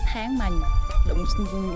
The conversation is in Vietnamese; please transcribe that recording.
tháng mà đụng